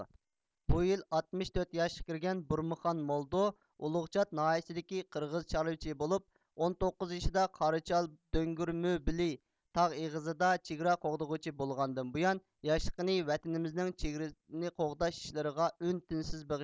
بۇ يىل ئاتمىش تۆت ياشقا كىرگەن بۇرمىخان مولدو ئۇلۇغچات ناھىيىسىدىكى قىرغىز چارۋىچى بولۇپ ئون توققۇز يېشىدا قاراچال دۆڭگۆرمۆ بېلى تاغ ئېغىزى دا چېگرا قوغدىغۇچى بولغاندىن بۇيان ياشلىقىنى ۋەتىنىمىزنىڭ چېگرىنى قوغداش ئىشلىرىغا ئۈن تىنسىز بېغىشلىغان